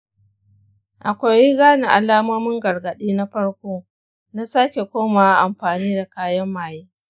a koyi gane alamomin gargaɗi na farko na sake komawa amfani da kayan maye.